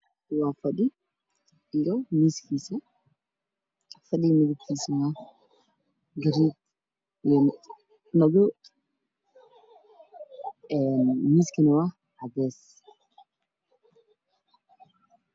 Waa fadhida iyo miis kiisa fadhiga midab kiisu waa Gaduud iyo madow een miiskuna waa cadees